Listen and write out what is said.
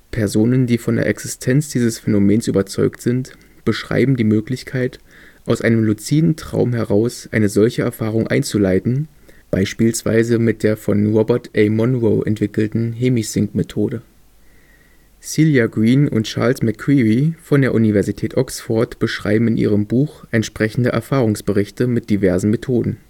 Personen, die von der Existenz dieses Phänomens überzeugt sind, beschreiben die Möglichkeit, aus einem luziden Traum heraus eine solche Erfahrung einzuleiten, beispielsweise mit der von Robert A. Monroe entwickelten Hemi-Sync-Methode. Celia Green und Charles McCreery von der Universität Oxford beschreiben in ihrem Buch entsprechende Erfahrungsberichte mit diversen Methoden